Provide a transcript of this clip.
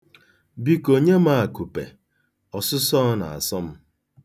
Biko nye m akụpe, ọsụsọọ na-asọ m.